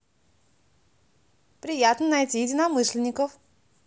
приятно найти единомышленника